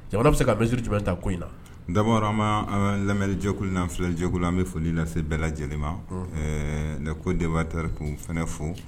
Jamana bɛ se ka mesure jumɛn ta ko in na? D'abord an bɛ an lamɛnni jɛkulu an'an filɛli jɛkulu an bɛ foli lase o bɛɛ lajɛlen ma. Ɔhɔn. Le co-debatteur k'o fana fo